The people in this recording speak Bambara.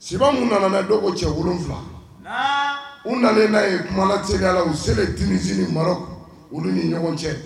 Siba minnu nana dɔw ko cɛ wolonfila u nan'a ye kumala se la u selen denmisɛn ninnu olu ni ɲɔgɔn cɛ